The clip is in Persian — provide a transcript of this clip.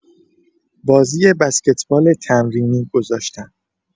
بازی بسکتبال تمرینی گذاشتم.